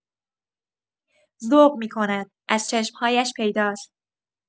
ذوق می‌کند، از چشم‌هایش پیداست.